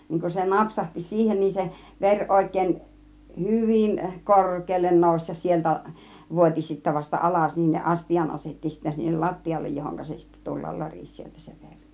niin kun se napsahti siihen niin se veri oikein hyvin korkealle nousi ja sieltä vuoti sitten vasta alas niin ne astian asetti sitten sinne lattialle johonka se sitten tulla lorisi sieltä se veri